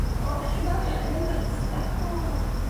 O ti'n o'reit? O.